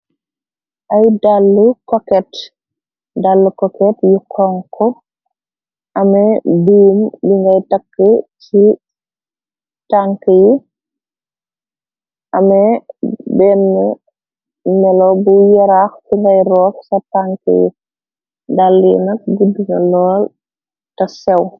Ay dalle koket, dalle koket yu xonxo, ame buum nyu ngay takk ci tank yi, ame benn nelo bu yaraax di leroog ca tank yi, dalli na guddu na lool, te sew.